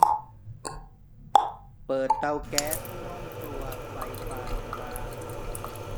เปิดเตาแก๊สที่ห้องครัวไฟปานกลาง